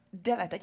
det vet jeg ikke.